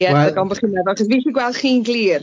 Ie rhagofn bo chi'n meddwl, achos fi'n gallu gwel chi'n glir.